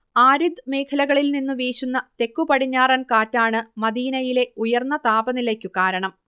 arid മേഖലകളിൽ നിന്നു വീശുന്ന തെക്കുപടിഞ്ഞാറൻ കാറ്റാണ് മദീനയിലെ ഉയർന്ന താപനിലയ്ക്കു കാരണം